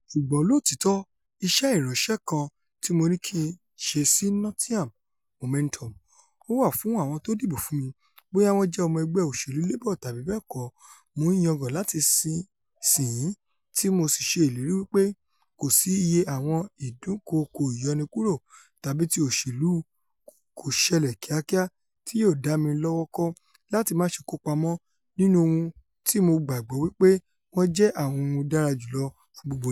Ṣùgbọn lóòtítọ iṣẹ ìránṣẹ́ kan tí Mo ní kìí ṣe sí Nothingham Momentum, o wá fún àwọn to dìbò fún mí, bóyá wọ́n jẹ́ ọmọ ẹgbẹ́ òṣèlú Labour tàbí bẹ́ẹ̀kọ́: Mo ń yangàn láti sìn yín tí Mo sì ṣe ìlérì wí pé kòsí iye àwọn ìdúnkookò ìyọnikúrò tàbi ti òṣèlú kòṣẹlẹ̀-kíákíá tí yóò dámi lọ́wọ́ kọ́ láti máṣe kópa mọ́ nínú ohun tí Mo gbàgbó wí pé wọ́n jẹ́ àwọn ohun dára jùlọ fún gbogbo yín.